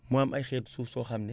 mu am ay xeetu suuf soo xam ne